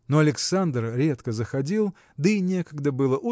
Но Александр редко заходил, да и некогда было